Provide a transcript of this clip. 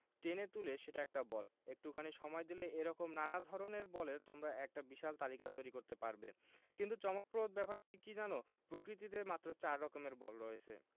টেনে তুলে সেটা একটা বল একটুখানি সময় দিলেই এ রকম নানা ধরনের বলের তোমরা একটা বিশাল তালিকা তৈরি করতে পারবে কিন্তু চমকপ্রদ ব্যাপারটি কী জানো প্রকৃতিতে মাত্র চার রকমের বল রয়েছে